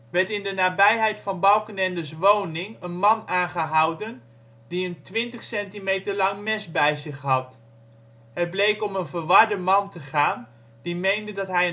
werd in de nabijheid van Balkenendes woning een man aangehouden die een twintig centimeter lang mes bij zich had. Het bleek om een verwarde man te gaan die meende dat hij